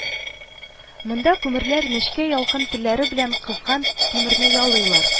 Монда күмерләр нечкә ялкын телләре белән кызган тимерне ялыйлар